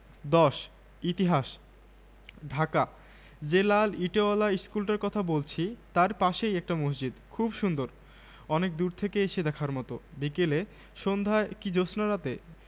১০ ইতিহাস ঢাকা যে লাল ইটোয়ালা ইশকুলটার কথা বলছি তাই পাশেই একটা মসজিদ খুব সুন্দর অনেক দূর থেকে এসে দেখার মতো বিকেলে সন্ধায় কি জ্যোৎস্নারাতে